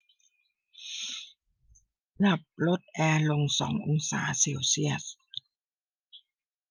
ปรับลดแอร์ลงสององศาเซลเซียส